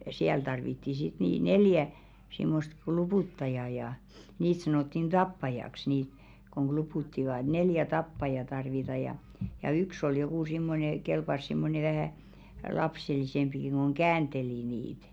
siellä tarvittiin sitten niin neljä semmoista kluputtajaa ja niitä sanottiin tappajaksi niitä kun kluputtivat neljä tappajaa tarvitaan ja ja yksi oli joku semmoinen kelpasi semmoinen vähän lapsellisempikin kun käänteli niitä